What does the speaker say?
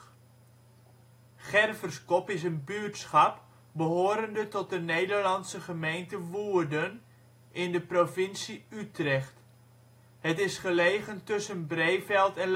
Gerverscop is een buurtschap behorende tot de Nederlandse gemeente Woerden, in de provincie Utrecht. Het is gelegen tussen Breeveld en